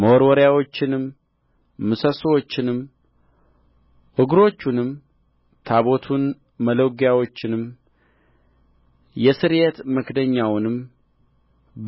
መወርወሪያዎቹንም ምሰሶቹንም እግሮቹንም ታቦቱን መሎጊያዎቹንም የስርየት መክደኛውንም